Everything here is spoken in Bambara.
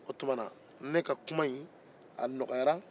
o tuma na ne ka kuma in a nɔgɔyara